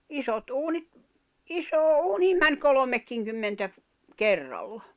isot uunit isoon uuniin meni kolmekinkymmentä kerralla